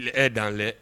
Il. est dans les